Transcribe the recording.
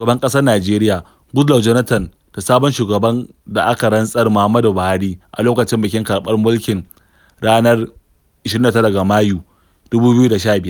Tsohon shugaban ƙasar Najeriya, Goodluck Jonathan da sabon shugaban da aka rantsar Muhammadu Buhari a lokacin bikin karɓar mulki ranar 29 ga Mayu, 2015.